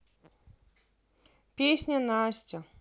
песня настя